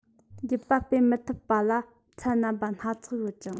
རྒྱུད པ སྤེལ མི ཐུབ པ ལ ཚད རྣམ པ སྣ ཚོགས ཡོད ཅིང